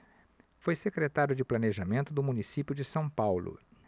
foi secretário de planejamento do município de são paulo